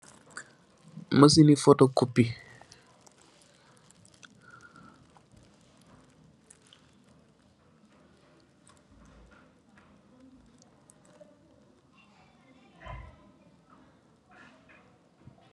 Machine ni fotocopy. Dañ Koy jafandiko ci waluum defarr ay terreh Wala ap kayit nga buga ko def ay kayit yu barri.